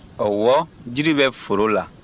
ɔwɔ jiri bɛ foro la